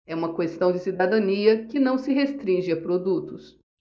é uma questão de cidadania que não se restringe a produtos